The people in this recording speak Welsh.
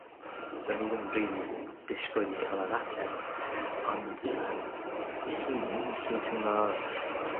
So o'n i ddim rili disgwyl i ca'l yr ateb. Ond yym fy hun dwi'n timlo